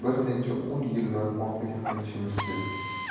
bir necha o'n yillar orqaga qaytishimiz kerak